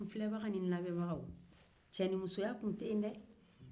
n filɛbagaw ni n lamɛnbaga cɛnimusoya tun te yen dɛ